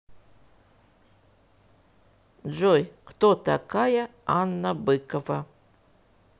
джой кто такая анна быкова